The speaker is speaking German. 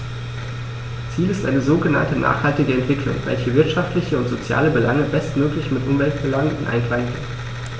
Ziel ist eine sogenannte nachhaltige Entwicklung, welche wirtschaftliche und soziale Belange bestmöglich mit Umweltbelangen in Einklang bringt.